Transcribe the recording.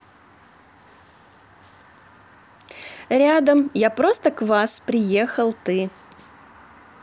рядом я просто квас приехал ты